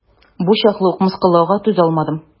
Бу чаклы ук мыскыллауга түзалмадым.